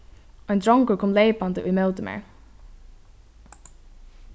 ein drongur kom leypandi ímóti mær